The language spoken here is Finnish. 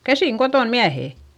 käsin kotona miehet